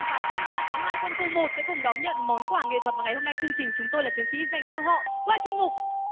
tám hai quân khu một sẽ cùng đón nhận món quà nghệ thuật mà ngày hôm nay chương trình chúng tôi là chiến sĩ dành cho họ qua chuyên mục